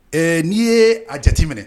Ɛ n'i ye a jate minɛ